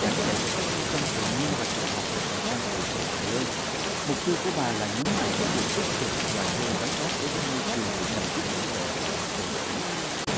giảng dạy tại các trung tâm tự nhiên và trường học về tầm quan trọng của loài dơi mục tiêu của bà là nhấn mạnh những điều tích cực loài dơi đóng góp đối với môi trường nhằm giúp bảo vệ và bảo tồn chúng